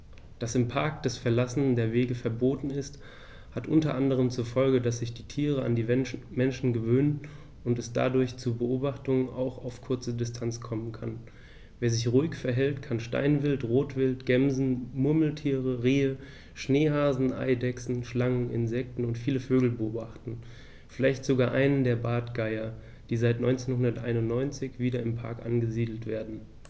Dass im Park das Verlassen der Wege verboten ist, hat unter anderem zur Folge, dass sich die Tiere an die Menschen gewöhnen und es dadurch zu Beobachtungen auch auf kurze Distanz kommen kann. Wer sich ruhig verhält, kann Steinwild, Rotwild, Gämsen, Murmeltiere, Rehe, Schneehasen, Eidechsen, Schlangen, Insekten und viele Vögel beobachten, vielleicht sogar einen der Bartgeier, die seit 1991 wieder im Park angesiedelt werden.